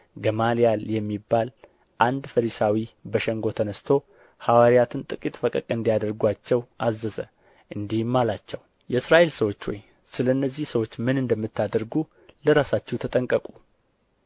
ገማልያል የሚሉት አንድ ፈሪሳዊ በሸንጎ ተነሥቶ ሐዋርያትን ጥቂት ፈቀቅ እንዲያደርጉአቸው አዘዘ እንዲህም አላቸው የእስራኤል ሰዎች ሆይ ስለ እነዚህ ሰዎች ምን እንደምታደርጉ ለራሳችሁ ተጠንቀቁ